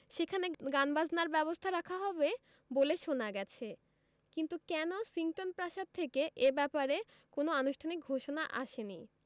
সেখানে গানবাজনার ব্যবস্থা রাখা হবে বলে শোনা গেছে কিন্তু কেনসিংটন প্রাসাদ থেকে এ ব্যাপারে কোনো আনুষ্ঠানিক ঘোষণা আসেনি